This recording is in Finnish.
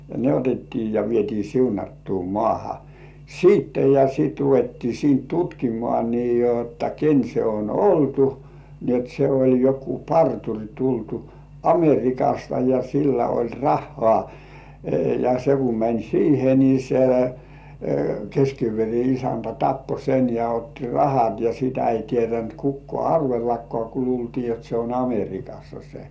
ne otettiin ja vietiin siunattuun maahan sitten ja sitten ruvettiin siitä tutkimaan niin jotta ken se on oltu niin jotta se oli joku parturi tultu Amerikasta ja sillä oli rahaa ja se kun meni siihen niin se kestikievarin isäntä tappoi sen ja otti rahat ja sitä ei tiennyt kukaan arvellakaan kun luultiin jotta se on Amerikassa se